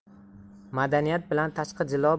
madaniyat bilan tashqi jilo